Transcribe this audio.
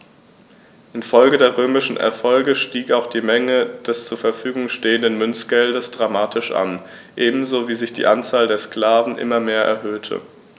Infolge der römischen Erfolge stieg auch die Menge des zur Verfügung stehenden Münzgeldes dramatisch an, ebenso wie sich die Anzahl der Sklaven immer mehr erhöhte.